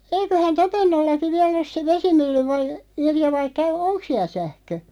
eiköhän Topennollakin vielä ole se vesimylly - Irja vai - onko siellä sähkö